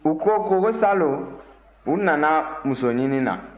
u ko ko salon u nana musoɲini na